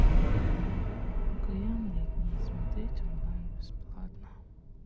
окаянные дни смотреть онлайн бесплатно